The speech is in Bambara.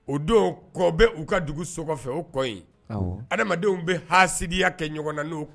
O don kɔ bɛ u ka dugu so kɔfɛ o kɔ in adamadenw bɛ hasiya kɛ ɲɔgɔn na